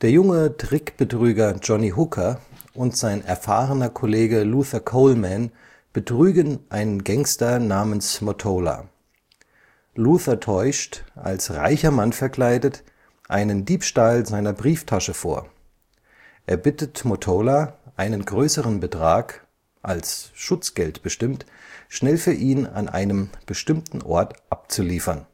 junge Trickbetrüger Johnny Hooker und sein erfahrener Kollege Luther Coleman betrügen einen Gangster namens Mottola. Luther täuscht, als reicher Mann verkleidet, einen Diebstahl seiner Brieftasche vor. Er bittet Mottola, einen größeren Betrag – als Schutzgeld bestimmt – schnell für ihn an einem bestimmten Ort abzuliefern